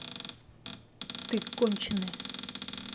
ты конченная